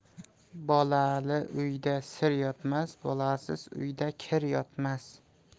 bolah uyda sir yotmas bolasiz uyda kir yotmas